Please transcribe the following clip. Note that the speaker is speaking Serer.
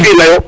nene yo